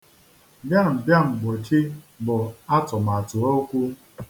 Bịambịamgbochi bụ atụmatụokwu.